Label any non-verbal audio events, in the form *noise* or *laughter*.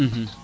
*hesitation* *hesitation*